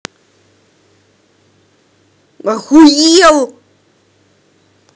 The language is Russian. ахуел